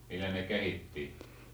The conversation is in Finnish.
millä ne kehittiin